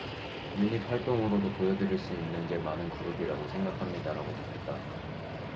유닛 활동으로도 보여드릴 수 있는 게 많은 그룹이라고 생각합니다라고 답했다